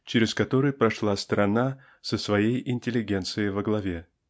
через который прошла страна со своей интеллигенцией во главе.